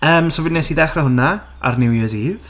Yym, so fi- wnes i ddechrau hwnna, ar New Year's Eve.